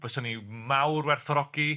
Fyswn i mawr werth fawrogi.